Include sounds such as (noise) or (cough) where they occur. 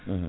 (hesitation) (hesitation)